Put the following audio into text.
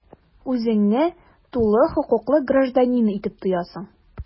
Үзеңне тулы хокуклы гражданин итеп тоясың.